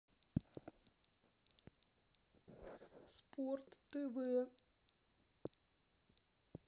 спорт тв